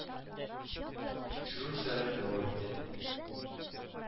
Тикшерү эшләре дәвам итә